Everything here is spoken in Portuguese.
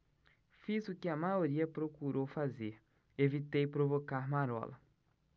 fiz o que a maioria procurou fazer evitei provocar marola